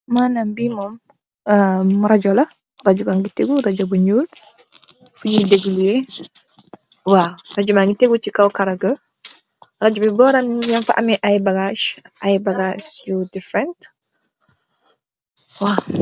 Manaam bii mom rajo la, rajo baa ngi teggu, rajo bu ñuul fi ñuy degloo waaw, rajo baa ngi teggu ci kow karo ga. Rajo bi booram mu ngi amee bagaas yu difrent, waaw.